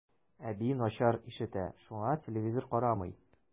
Әби начар ишетә, шуңа телевизор карамый.